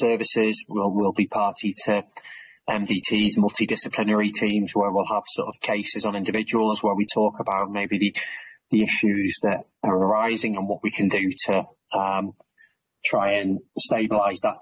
Services we'll we'll be party to MDTs multidisciplinary teams where we'll have sort of cases on individuals where we talk about maybe the the issues that are arising and what we can do to um try and stabilise that